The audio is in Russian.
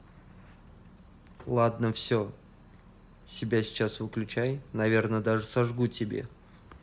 ладно все себя сейчас выключай наверное даже сожгу тебе